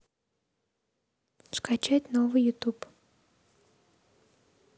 скачать новый ютуб